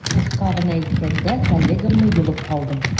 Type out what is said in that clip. Кыска гына әйткәндә, коллегамны йолып калдым.